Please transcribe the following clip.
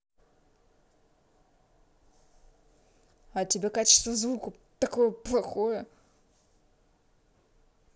а тебя качество звука такое плохое